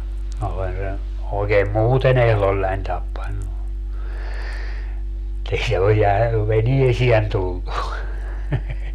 minä olen sen oikein muuten ehdollani tappanut mutta ei se ole - veneeseen tullut